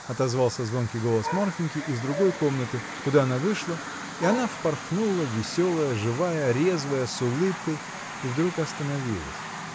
— отозвался звонкий голос Марфиньки из другой комнаты, куда она вышла, и она впорхнула, веселая, живая, резвая, с улыбкой, и вдруг остановилась.